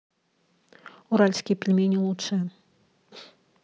уральские пельмени лучшее